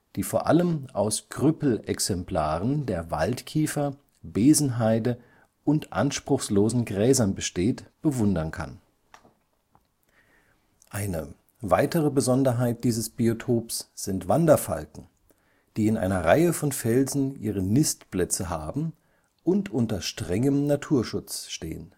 die vor allem aus Krüppelexemplaren der Waldkiefer, Besenheide und anspruchslosen Gräsern besteht, bewundern kann. Eine weitere Besonderheit dieses Biotops sind Wanderfalken, die in einer Reihe von Felsen ihre Nistplätze haben und unter strengem Naturschutz stehen